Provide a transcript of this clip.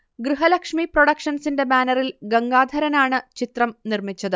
ഗൃഹലക്ഷ്മി പ്രൊഡക്ഷൻസിന്റെ ബാനറിൽ ഗംഗാധരനാണ് ചിത്രം നിർമ്മിച്ചത്